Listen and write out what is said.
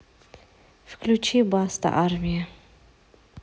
включи баста армия